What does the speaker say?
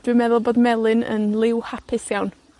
Dwi'n meddwl bod melyn yn liw hapus iawn.